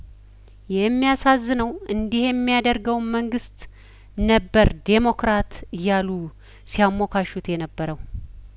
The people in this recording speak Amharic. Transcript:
የሚያሳዝነው እንዲህ የሚያደርገውን መንግስት ነበር ዴሞክራት እያሉ ሲያሞካሹት የነበረው